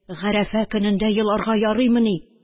Гарәфә көнендә еларга ярыймыни